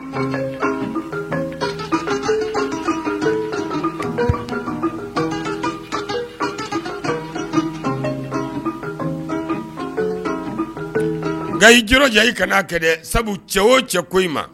Nka y i jɔ diya i ka n'a kɛ sabu cɛ o cɛ ko ma